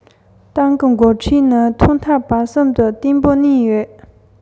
མི རབས གསུམ པའི འགོ ཁྲིད ཀྱི མཉམ བསྡེབ ལ སླེབས དུས ཀྱང ངེས པར དུ སྲོག ཤིང ཞིག ཡོད དགོས